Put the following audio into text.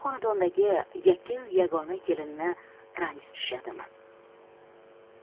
xonadondagi yakkayu yagona kelinini ranjitishadimi